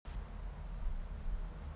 плохо а ты ублюдок